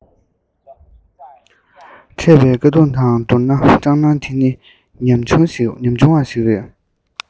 འཕྲད པའི དཀའ སྡུག དང བསྡུར ན སྐྲག སྣང དེ ནི ཉམ ཆུང བ ཞིག རེད